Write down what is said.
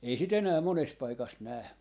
ei sitä enää monessa paikassa näe